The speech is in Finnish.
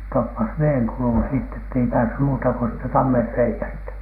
se toppasi veden kulun sitten että ei päässyt muuta kuin siitä tammenreiästä